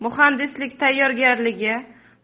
muhandislik tayyorgarligi